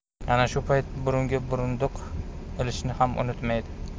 ana shu paytda burunga burunduq ilishni ham unutmaydi